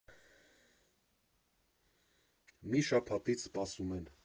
Մի շաբաթից սպասում են։